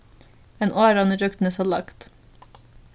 ein á rann ígjøgnum hesa lægd